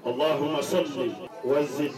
Ɔ hamasi wze